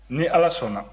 ni ala sɔnna